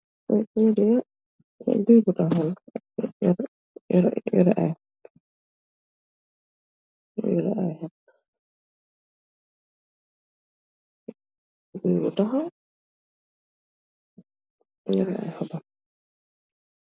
Lii daey guiy bu takhaw la, yohreh, yohreh , yohreh aiiy hohbb, yohreh aiiy hohbb, guiy bu takhaw yohreh aiiy hohbam.